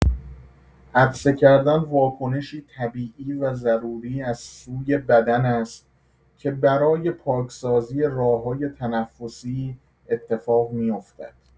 عطسه کردن واکنشی طبیعی و ضروری از سوی بدن است که برای پاک‌سازی راه‌های تنفسی اتفاق می‌افتد.